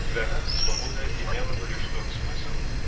Для нас свобода имела бы лишь тот смысл